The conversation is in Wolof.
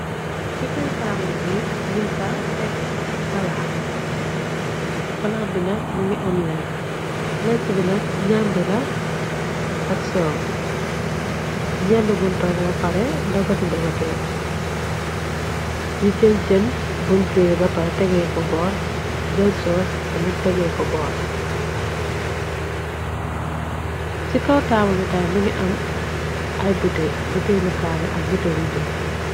Ci kaw tabul bi nak nu fa tkk palaat bi nag më ngi am lekk are dogati dogatelë br tg ko bor ël soos, tamitay bute buteylu kaane ak buteli jumb.